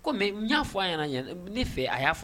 Komi y'a fɔ a ne fɛ a y'a fɔ